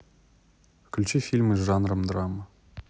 включи фильмы с жанром драма